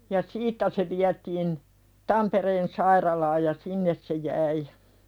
ja siitä se vietiin Tampereen sairaalaan ja sinne se jäi